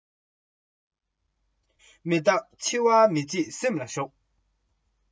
འདོད འདོད ཁ ཆེ ཕ ལུའི གྲོས གྲོས ཀྱི